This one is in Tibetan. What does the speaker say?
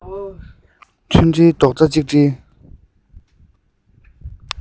མཐུན སྒྲིལ རྡོག རྩ གཅིག སྒྲིལ